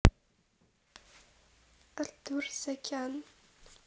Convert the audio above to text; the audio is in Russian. артур саакян